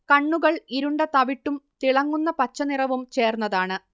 കണ്ണുകൾ ഇരുണ്ട തവിട്ടും തിളങ്ങുന്ന പച്ചനിറവും ചേർന്നതാണ്